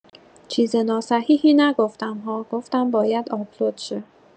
چیز ناصحیحی نگفتم ها گفتم باید آپلود شه